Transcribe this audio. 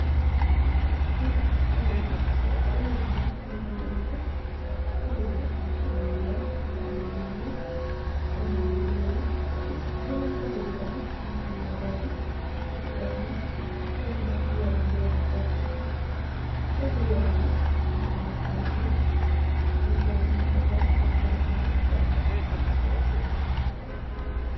Lii nak yon la, cii kaw yon bii nak mungy ameh motor, motor bii nak mungy ameh lu wekh, mungy ameh lu njull, pohnoh yii yu njull la, cii benen coteh bii tamit mungy ameh rider bu ehb nitt, koku nak mbuba bii mbuba bu vertue la, cii pehgui yon bii nak mungy ameh aiiy kerr, nitt tamit njung fa tok ak tamit aiiy garab.